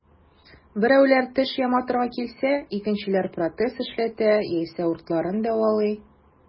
Берәүләр теш яматырга килсә, икенчеләр протез эшләтә яисә уртларын дәвалый.